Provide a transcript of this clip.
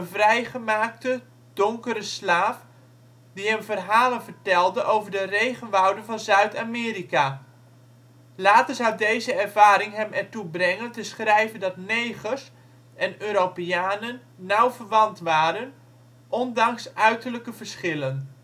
vrijgemaakte donkere slaaf, die hem verhalen vertelde over de regenwouden van Zuid-Amerika. Later zou deze ervaring hem ertoe brengen te schrijven dat " negers " en Europeanen nauw verwant waren, ondanks uiterlijke verschillen